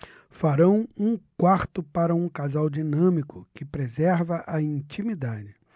farão um quarto para um casal dinâmico que preserva a intimidade